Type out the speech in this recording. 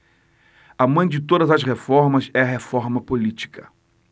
a mãe de todas as reformas é a reforma política